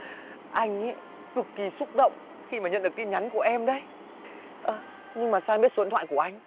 anh ý cực kỳ xúc động khi mà nhận được tin nhắn của em đấy ơ nhưng mà sao em biết số điện thoại của anh